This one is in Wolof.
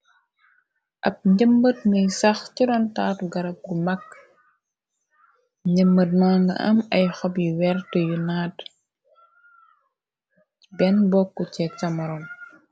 Ab njëmbat muy sax ciron taatu garab gu mag njëmbat no nga am ay xob yu wer te yu naat benn bokku cek camoroon.